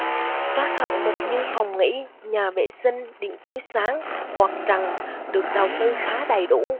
các hạng mục như phòng nghỉ nhà vệ sinh điện chiếu sáng quạt trần được đầu tư khá đầy đủ